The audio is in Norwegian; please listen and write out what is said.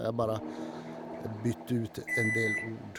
Jeg bare bytter ut en del ord.